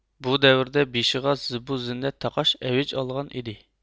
بۇ دەۋردە بېشىغا زىببۇ زىننەت تاقاش ئەۋج ئالغان ئىدى